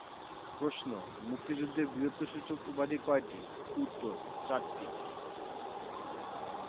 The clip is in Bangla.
প্রশ্ন মুক্তিযুদ্ধে বীরত্বসূচক উপাধি কয়টি উত্তর চারটি